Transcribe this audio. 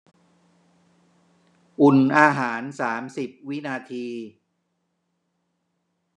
อุ่นอาหารสามสิบวินาที